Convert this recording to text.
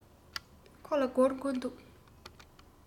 ཁོ ལ སྒོར དགུ འདུག